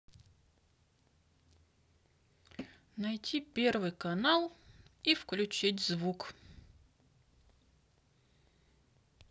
найти первый канал и включить звук